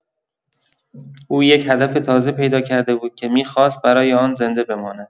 او یک هدف تازه پیدا کرده بود که می‌خواست برای آن زنده بماند.